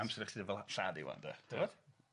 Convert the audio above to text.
Amser i chdi fel lladd i ŵan de t'wo'?